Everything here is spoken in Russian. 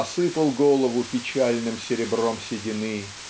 осыпал голову печальным серебром седины